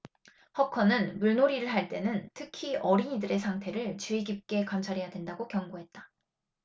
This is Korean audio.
허커는 물놀이를 할 대는 특히 어린이들의 상태를 주의깊게 관찰해야 된다고 경고했다